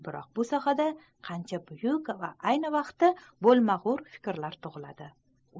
biroq bu sohada qancha buyuk va ayni vaqtda bolmagur fikrlar tugiladi